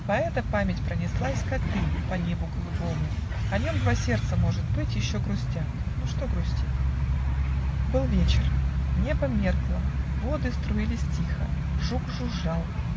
Поэта память пронеслась Как дым по небу голубому, О нем два сердца, может быть, Еще грустят. На что грустить?. Был вечер. Небо меркло. Воды Струились тихо. Жук жужжал.